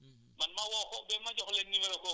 su ñu ma woowee comme fii la ñu xam